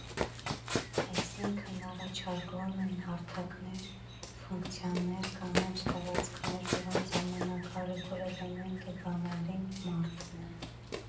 Այսինքն՝ առաջարկվում են հարթակներ, ֆունկցիաներ, կանաչ տարածքներ, որոնց ամենակարևոր էլեմենտը՝ «բանալին», մարդն է։